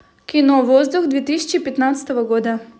кино воздух две тысячи пятнадцатого года